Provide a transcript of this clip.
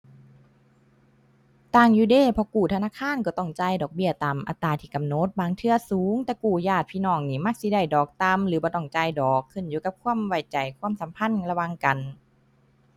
ต่างอยู่เดะ เพราะกู้ธนาคารก็ต้องจ่ายดอกเบี้ยตามอัตราที่กำหนด บางเทื่อสูง แต่กู้ญาติพี่น้องนี้มันสิได้ดอกต่ำหรือบ่ต้องจ่ายดอก ขึ้นอยู่กับความไว้ใจ ความสัมพันธ์ระหว่างกัน